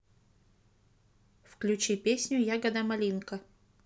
включи песню ягода малинка